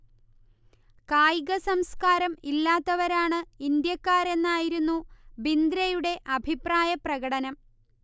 കായികസംസ്കാരം ഇല്ലാത്തവരാണ് ഇന്ത്യക്കാരെന്ന് ആയിരുന്നു ബിന്ദ്രയുടെ അഭിപ്രായ പ്രകടനം